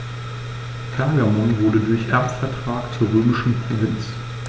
Pergamon wurde durch Erbvertrag zur römischen Provinz.